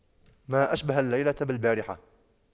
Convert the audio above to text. ما أشبه الليلة بالبارحة